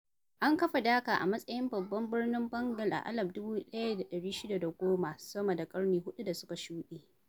An kafa Dhaka a matsayin babban birnin Bengal a 1610, sama da ƙarni huɗu da suka shuɗe.